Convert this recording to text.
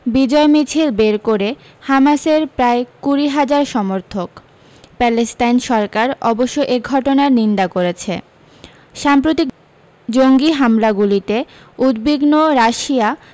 বিজয় মিছিল বের করে হামাসের প্রায় কুড়ি হাজার সমর্থক প্যালেস্তাইন সরকার অবশ্য এ ঘটনার নিন্দা করেছে সাম্প্রতিক জঙ্গি হামলাগুলিতে উদ্বিগন রাশিয়া